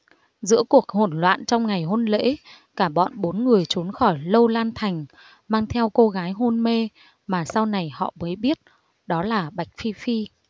giữa cuộc hổn loạn trong ngày hôn lễ cả bọn bốn người trốn khỏi lâu lan thành mang theo cô gái hôn mê mà sau này họ mới biết đó là bạch phi phi